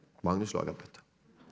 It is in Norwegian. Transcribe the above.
Magnus Lagabøte.